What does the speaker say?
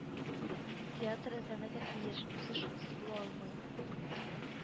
Театр эзләнергә тиеш, үсеш шунсыз була алмый